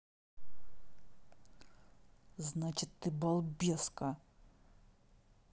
значит ты балбеска